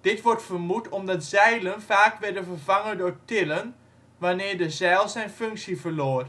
Dit wordt vermoed omdat zijlen vaak werden vervangen door tillen wanneer de zijl zijn functie verloor